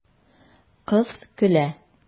Кыз көлә.